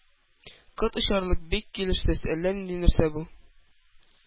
Кот очарлык, бик килешсез, әллә нинди нәрсә бу!